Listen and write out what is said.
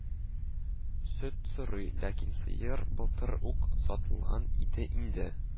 Сөт сорый, ләкин сыер былтыр ук сатылган иде инде